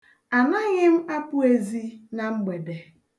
Anaghị m apụ ezi na mgbede.